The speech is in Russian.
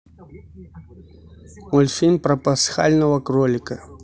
мультфильм про пасхального кролика